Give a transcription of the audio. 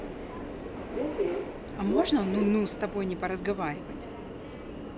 а можно ну ну с тобой не поразговаривать